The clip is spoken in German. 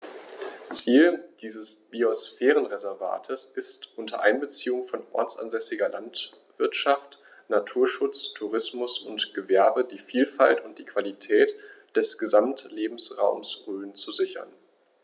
Ziel dieses Biosphärenreservates ist, unter Einbeziehung von ortsansässiger Landwirtschaft, Naturschutz, Tourismus und Gewerbe die Vielfalt und die Qualität des Gesamtlebensraumes Rhön zu sichern.